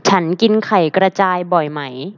ฉันกินไข่กระจายบ่อยไหม